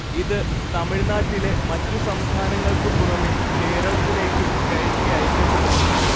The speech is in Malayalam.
ഇത് തമിഴ്‌നാട്ടിലെ മറ്റു സംസ്ഥാനങ്ങൾക്കു പുറമേ കേരളത്തിലേക്കും കയറ്റി അയക്കപ്പെടുന്നുണ്ട്